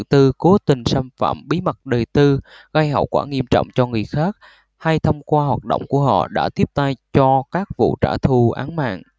tư cố tình xâm phạm bí mật đời tư gây hậu quả nghiêm trọng cho người khác hay thông qua hoạt động của họ đã tiếp tay cho các vụ trả thù án mạng